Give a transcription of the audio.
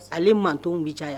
Ale man bɛ caya yan